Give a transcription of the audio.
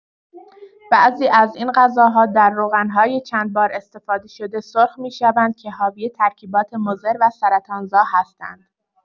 بعضی از این غذاها در روغن‌های چندبار استفاده‌شده سرخ می‌شوند که حاوی ترکیبات مضر و سرطان‌زا هستند.